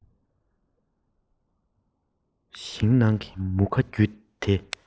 ཞིང ནང གི མུ ཁ བརྒྱུད དེ